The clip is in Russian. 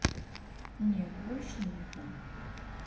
нет больше нету